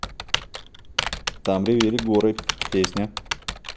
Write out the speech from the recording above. там ревели горы песня